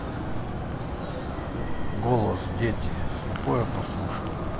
голос дети слепое прослушивание